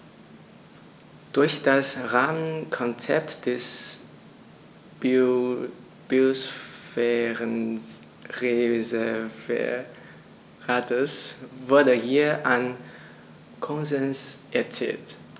Durch das Rahmenkonzept des Biosphärenreservates wurde hier ein Konsens erzielt.